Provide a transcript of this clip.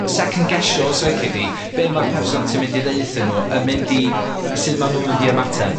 second geshio os lici di. Be' ma'r person ti mynd i ddeuthyn nw yn mynd i i... Sud ma' nw mynd i ymateb.